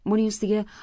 buning ustiga